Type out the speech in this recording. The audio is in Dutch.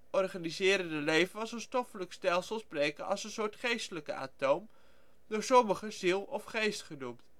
organiserende leven van zo 'n stoffelijk stelsel spreken als een soort geestelijk atoom, door sommigen ziel of geest genoemd